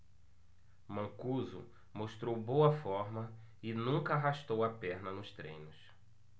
mancuso mostrou boa forma e nunca arrastou a perna nos treinos